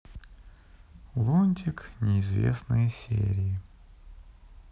лунтик неизвестные серии